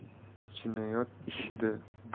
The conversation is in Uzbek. jinoyat ishida bunday